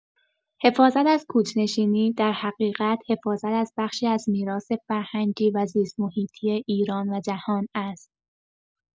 حفاظت از کوچ‌نشینی، در حقیقت حفاظت از بخشی از میراث‌فرهنگی و زیست‌محیطی ایران و جهان است.